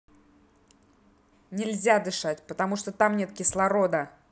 нельзя дышать потому что там нет кислорода